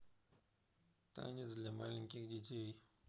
танец для маленьких детей